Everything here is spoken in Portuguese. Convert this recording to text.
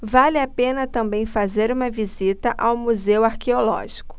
vale a pena também fazer uma visita ao museu arqueológico